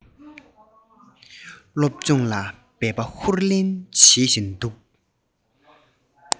སློབ སྦྱོང ལ འབད པ ཧུར ལེན བྱེད བཞིན འདུག